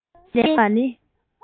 ཆ རྐྱེན ལྡན པ ནི